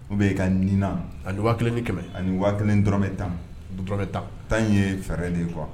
U bɛ ka ɲinan ani waa kelen kɛmɛ ani waa kelen dɔrɔnmɛ tan bɛ tan tan in ye fɛɛrɛ de ye kuwa